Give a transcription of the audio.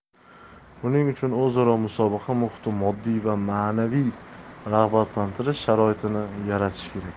buning uchun o'zaro musobaqa muhiti moddiy va ma'naviy rag'batlantirish sharoitini yaratish kerak